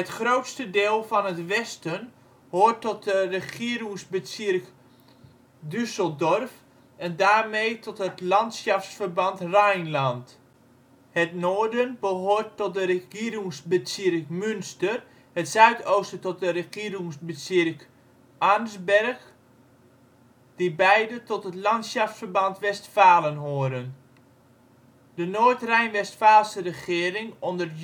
grootste deel van het westen hoort tot de Regierungsbezirk Düsseldorf en daarmee tot het Landschaftsverband Rheinland. De noorden hoort tot de Regierungsbezirk Münster, het zuidoosten tot de Regierungsbezirk Arnsberg, die beiden tot het Landschaftsverband Westfalen horen. De noordrijn-westfaalse regering onder